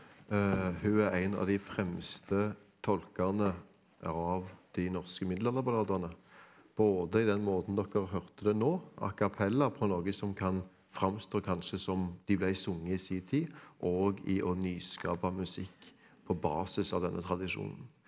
hun er en av de fremste tolkene av de norske middelalderballadene, både i den måten dere hørte det nå, a cappella på noe som kan framstå kanskje som de ble sunget i si tid, og i å nyskape musikk på basis av denne tradisjonen.